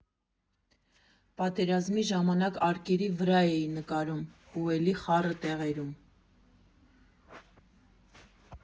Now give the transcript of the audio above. Պատերազմի ժամանակ արկերի վրա էի նկարում ու էլի խառը տեղերում։